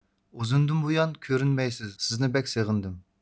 ئۇزۇندىن بۇيان كۆرۈنمەيسىز سىزنى بەك سېغىندىم